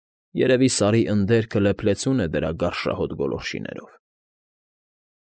Երևի Սարի ընդերքը լեփլեցուն է դրա գարշահոտ գոլորշիներով։